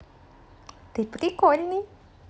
ты прикольный